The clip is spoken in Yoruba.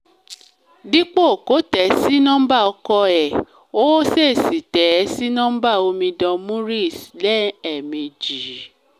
Dípò kó tẹ̀ ẹ́ sí nọ́ḿbà ọkọ ẹ̀, ó ṣèṣì tẹ̀ ẹ́ sí nọ́ḿbà Omidan Maurice ní èèmejì.